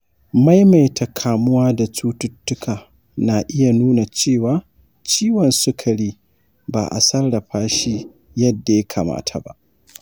maimaita kamuwa da cututtuka na iya nuna cewa ciwon sukari ba a sarrafa shi yadda ya kamata ba.